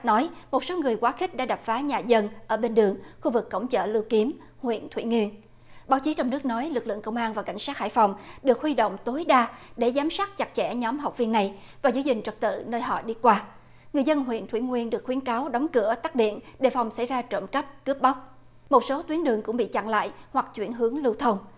nói một số người quá khích đã đập phá nhà dân ở bên đường khu vực cổng chợ lưu kiếm huyện thủy nghi báo chí trong nước nói lực lượng công an và cảnh sát hải phòng được huy động tối đa để giám sát chặt chẽ nhóm học viên này và giữ gìn trật tự nơi họ đi qua người dân huyện thủy nguyên được khuyến cáo đóng cửa tắt điện đề phòng xảy ra trộm cắp cướp bóc một số tuyến đường cũng bị chặn lại hoặc chuyển hướng lưu thông